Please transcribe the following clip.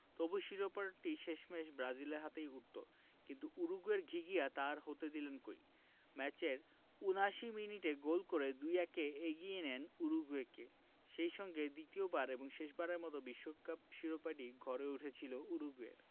তবু শিরোপাটি শেষমেশ ব্রাজিলের হাতেই উঠত কিন্তু উরুগুয়ের ঘিঘিয়া তা আর হতে দিলেন কই ম্যাচের ৭৯ মিনিটে গোল করে ২ ১ এ এগিয়ে নিলেন উরুগুয়েকে সেই সঙ্গে দ্বিতীয়বার এবং শেষবারের মতো বিশ্বকাপ শিরোপাটি ঘরে উঠেছিল উরুগুয়ের